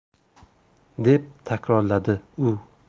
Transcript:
deb takrorladi u